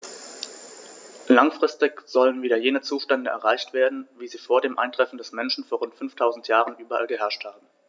Langfristig sollen wieder jene Zustände erreicht werden, wie sie vor dem Eintreffen des Menschen vor rund 5000 Jahren überall geherrscht haben.